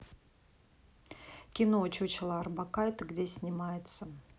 кино чучело орбакайте где снимается